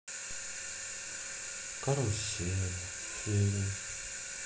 карусель фильм